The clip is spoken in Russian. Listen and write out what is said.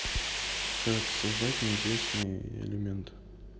как создать неизвестный элемент